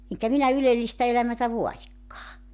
enkä minä ylellistä elämää vaadikaan